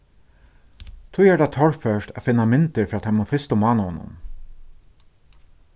tí er tað torført at finna myndir frá teimum fyrstu mánaðunum